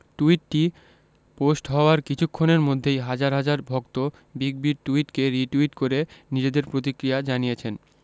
টুইটটি post হওয়ার কিছুক্ষণের মধ্যেই হাজার হাজার ভক্ত বিগ বির টুইটকে রিটুইট করে নিজেদের প্রতিক্রিয়া জানিয়েছেন